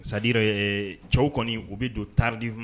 Sadira cɛw kɔni u bɛ don taridime